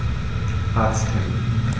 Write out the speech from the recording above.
Arzttermin